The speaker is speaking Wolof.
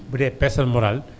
bu dee personne morale